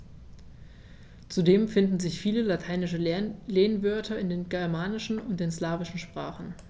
Zudem finden sich viele lateinische Lehnwörter in den germanischen und den slawischen Sprachen.